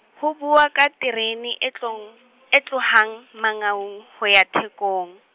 ho buuwa ka terene e tlong-, e tlohang, Mangaung ho ya Thekong.